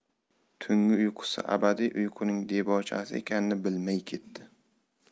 tungi uyqusi abadiy uyquning debochasi ekanini bilmay ketdi